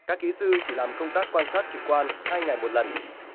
các kỹ sư chỉ làm công tác quan sát trực quan hai ngày một lần